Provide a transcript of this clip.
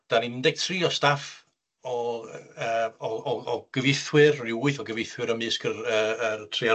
'Dan ni'n un deg tri o staff, o yy yy o o o gyfieithwyr, ryw wyth o gyfieithwyr ymysg yr yy yr tri